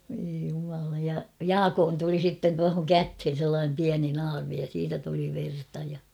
voi jumala ja Jaakon tuli sitten tuohon käteen sellainen pieni naarmu ja siitä tuli verta ja